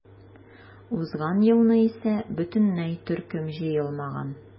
Узган елны исә бөтенләй төркем җыелмаган.